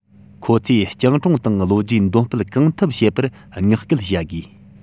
ཁོང ཚོས སྤྱང གྲུང དང བློ གྲོས འདོན སྤེལ གང ཐུབ བྱེད པར བསྔགས སྐུལ བྱ དགོས